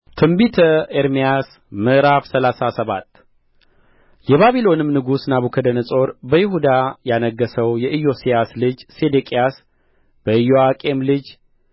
ትንቢተ ኤርምያስ ምዕራፍ ሰላሳ ሰባት የባቢሎንም ንጉሥ ናቡከደነፆር በይሁዳ ያነገሠው የኢዮስያስ ልጅ ሴዴቅያስ በኢዮአቄም ልጅ